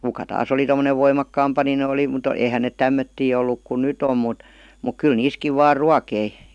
kuka tässä oli tuommoinen voimakkaampi niin oli mutta eihän ne tämmöisiä ollut kuin nyt on mutta mutta kyllä niissäkin vain ruokki